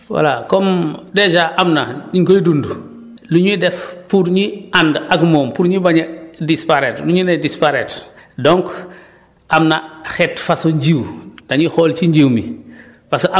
voilà comme dèjà am na ñu ngi koy dund lu ñuy def pour ñi ànd ak moom pour ñu bañ a disparaitre bu ñu nee disparaitre donc am na xeet façon jiw dañuy xool ci njiw mi